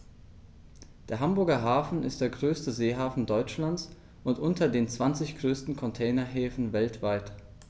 Der Hamburger Hafen ist der größte Seehafen Deutschlands und unter den zwanzig größten Containerhäfen weltweit.